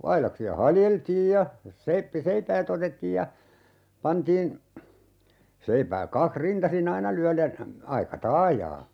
aidaksia haljeltiin ja - seipäät otettiin ja pantiin seipäät kaksi rintaisin aina lyöden aika taajaan